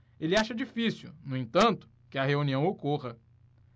ele acha difícil no entanto que a reunião ocorra